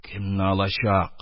Кемне алачак,